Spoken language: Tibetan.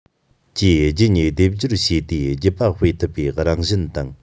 གྱིས རྒྱུད གཉིས སྡེབ སྦྱོར བྱས དུས རྒྱུད པ སྤེལ ཐུབ པའི རང བཞིན དང